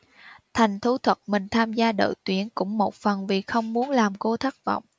thành thú thực mình tham gia đội tuyển cũng một phần vì không muốn làm cô thất vọng